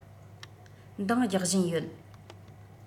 འདང རྒྱག བཞིན ཡོད